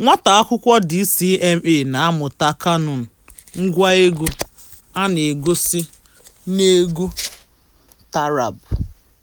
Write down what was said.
Nwata akwụkwọ DCMA na-amụta kanoon, ngwa egwu a na-egosi n'egwu taarab